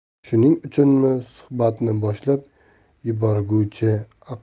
shuning uchunmi suhbatni boshlab yuborguvchi